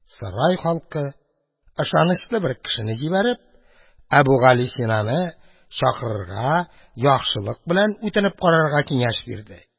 Сарай халкы, ышанычлы бер кешене җибәреп, Әбүгалисинаны сарайга чакырырга, яхшылык белән үтенеп карарга киңәш бирде.